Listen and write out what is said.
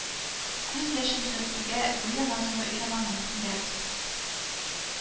Күз яшем сөртергә гүя назлы җананым килә